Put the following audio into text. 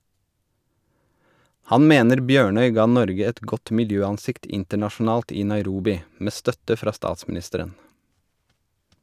Han mener Bjørnøy ga Norge et godt miljøansikt internasjonalt i Nairobi , med støtte fra statsministeren.